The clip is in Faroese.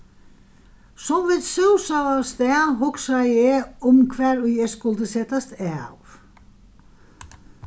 sum vit súsaðu avstað hugsaði eg um hvar ið eg skuldi setast av